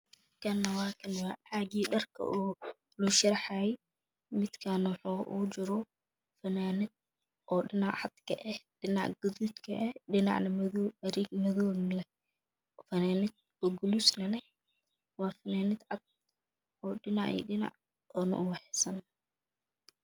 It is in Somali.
Waa cagi dharku lagu sharaxayy